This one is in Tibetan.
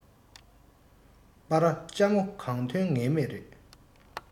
སྤ ར ལྕ མོ གང ཐོན ངེས མེད རེད